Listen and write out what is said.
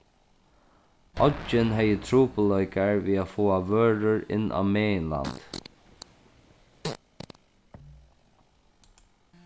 oyggin hevði trupulleikar við at fáa vørur inn á meginlandið